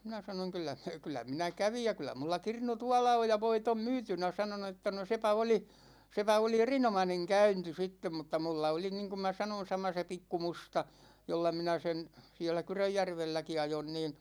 minä sanoin kyllä kyllä minä kävin ja kyllä minulla kirnu tuolla on ja voit on myytynä sanoi no että no sepä oli sepä oli erinomainen käynti sitten mutta minulla oli niin kuin minä sanoin sama se pikku musta jolla minä sen siellä Kyrönjärvelläkin ajoin niin